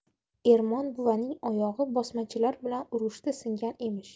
ermon buvaning oyog'i bosmachilar bilan urushda singan emish